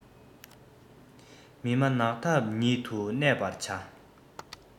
མི སྨྲ ནགས འདབས ཉིད དུ གནས པར བྱ